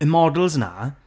Y models 'na,